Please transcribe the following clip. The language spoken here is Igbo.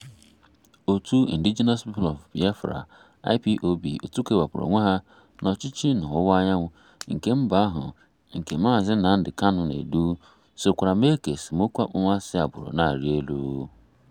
Òtù Indigenous People of Biafra (IPOB), òtù kewapụrụ onwe ha n'ọchịchị n'ọwụwaanyanwụ nke mba ahụ nke Mazi Nnamdi Kanu na-edu, sokwara mee ka esemokwu akpọmasị agbụrụ na-arị elu.